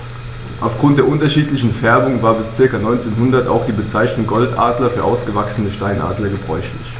Auf Grund der unterschiedlichen Färbung war bis ca. 1900 auch die Bezeichnung Goldadler für ausgewachsene Steinadler gebräuchlich.